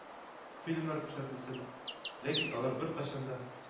Фильмнар күрсәтелсен, ләкин алар беркайчан да,